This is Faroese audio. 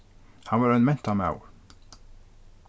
hann var ein mentamaður